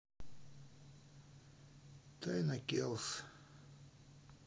тайна келлс